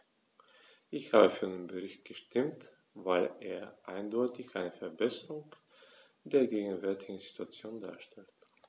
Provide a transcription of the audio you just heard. Ich habe für den Bericht gestimmt, weil er eindeutig eine Verbesserung der gegenwärtigen Situation darstellt.